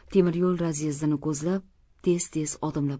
temiryo'l razyezdini ko'zlab tez tez odimlab